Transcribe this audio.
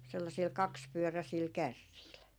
sellaisilla kaksipyöräisillä kärreillä